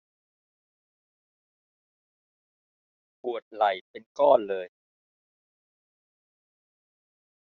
ปวดไหล่เป็นก้อนเลย